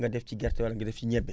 nga def si gerte wala nga ñebe